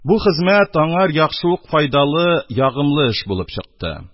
Бу хезмәт аңар яхшы ук файдалы, ягымлы булып чыкты.